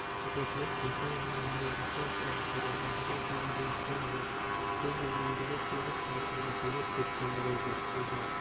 agentlik kompaniyaning minoritar aksiyadorlariga dividendlar va penya undirib berish masalasida sudga murojaat qilgan